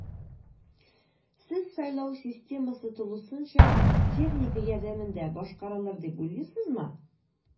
Сез сайлау системасы тулысынча техника ярдәмендә башкарарылыр дип уйлыйсызмы?